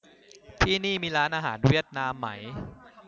ที่นี่มีร้านอาหารจีนไหม